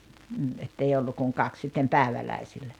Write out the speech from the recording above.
mm että ei ollut kuin kaksi sitten päiväläisillä